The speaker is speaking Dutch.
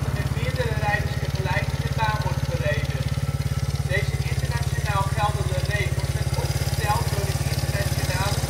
met meerdere rijders tegelijk in de baan wordt gereden. Deze internationaal geldende regels zijn opgesteld door de Internationale